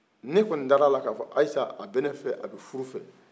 ne kɔni dara a la ka fɔ ayise a bɛ ne fɛ abɛfuru fɛ